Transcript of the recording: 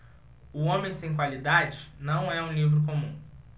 o homem sem qualidades não é um livro comum